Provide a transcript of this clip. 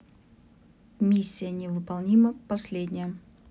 миссия невыполнима последняя